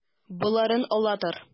Боларын ала тор.